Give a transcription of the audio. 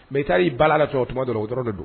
Mɛ i taara' ba la tɔ tuma dɔrɔn oɔrɔ don